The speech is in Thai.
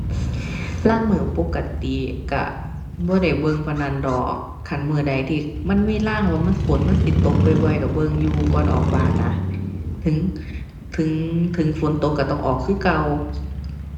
ลางมื้อปกติก็บ่ได้เบิ่งปานนั้นดอก คันมื้อใดที่มันมีลางว่ามันฝนมันสิตกบ่อยบ่อยก็เบิ่งอยู่ก่อนออกบ้านนะ ถึง ถึง ถึงฝนตกก็ต้องออกคือเก่า